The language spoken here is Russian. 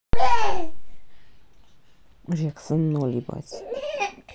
реакция ноль ебать